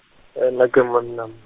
e nna ke monna m-.